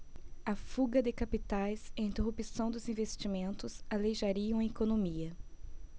a fuga de capitais e a interrupção dos investimentos aleijariam a economia